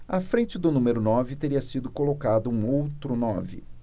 à frente do número nove teria sido colocado um outro nove